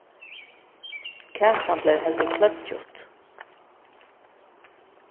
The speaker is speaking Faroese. kakan bleiv heldur kleiggjut